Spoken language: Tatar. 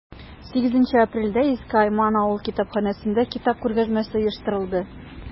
8 апрельдә иске айман авыл китапханәсендә китап күргәзмәсе оештырылды.